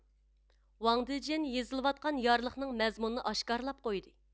ۋاڭ دېجيەن يېزىلىۋاتقان يارلىقنىڭ مەزمۇننى ئاشكارلاپ قويدى